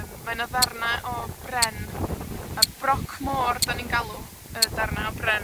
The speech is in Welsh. mae 'na ddarnau o bren, a broc môr 'dan ni'n galw y darnau o bren